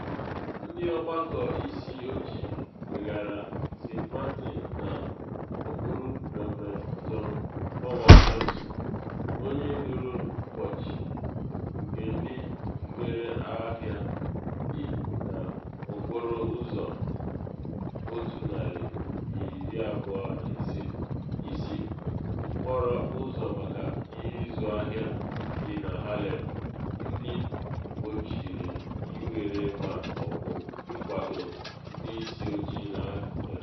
Ndị ọgbakọ isi ojii weghara St. Martin n’okpuru Rev. John Howard Johnson, onye duru mgbochi nke ndị mgbere ahịa dị na Okporo Ụzọ 125, isi okporo ụzọ maka ịzụ ahịa dị na Harlem, ndị gbochiri ịwere ma ọ bụ ịkwado ndị isi ojii n’ahịa.